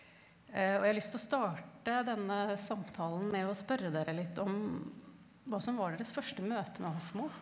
og jeg har lyst til å starte denne samtalen med å spørre dere litt om hva som var deres første møte med Hofmo.